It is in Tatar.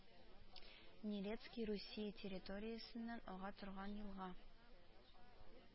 Нерицкий Русия территориясеннән ага торган елга